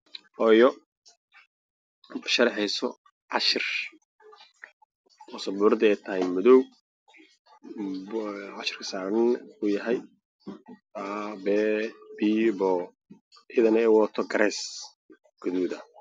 Waa qof dumar ah oo sabrad wax ku qoraayo midabkeedu yahay madow waxaa arjooga qof kale waana meel baadiyo ah